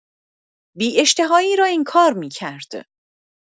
بی‌اشتهایی را انکار می‌کرد.